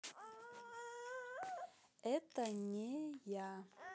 это не я